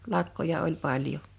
lakkoja oli paljon